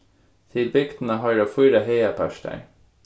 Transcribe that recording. til bygdina hoyra fýra hagapartar